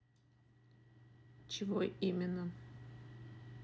чего именно